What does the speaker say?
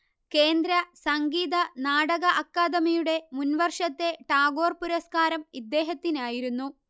കേന്ദ്രസംഗീതനാടക അക്കാദമിയുടെ മുൻവർഷത്തെ ടാഗോർ പുരസ്കാരം ഇദ്ദേഹത്തിനായിരുന്നു